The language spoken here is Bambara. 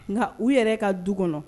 Nka u yɛrɛ ka du kɔnɔ